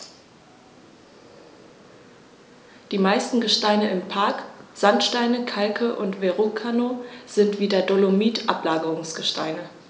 Die meisten Gesteine im Park – Sandsteine, Kalke und Verrucano – sind wie der Dolomit Ablagerungsgesteine.